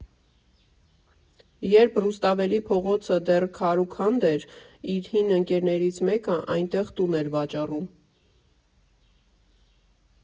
Երբ Ռուսթավելի փողոցը դեռ քարուքանդ էր, իր հին ընկերներից մեկը այնտեղ տուն էր վաճառում։